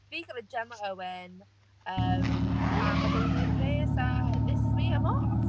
Fi gyda Gemma Owen yym a mae gennyn ni'r pres a this is me, I'm off.